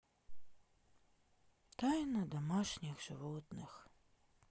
тайна домашних животных